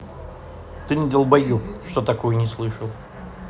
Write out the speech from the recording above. ты не долбоеб что такое не слышал